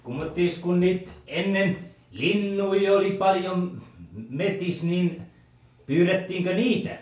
kummottoos kun niitä ennen lintuja oli paljon metsissä niin pyydettiinkö niitä